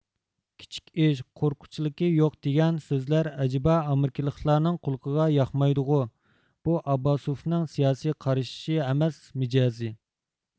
كىچىك ئىش قورققۇچىلىكى يوق دېگەن سۆزلەر ئەجەبا ئامېرىكىلىكلارنىڭ قۇلىقىغا ياقمايدۇغۇ بۇ ئابباسۇفنىڭ سىياسىي قارىشى ئەمەس مىجەزى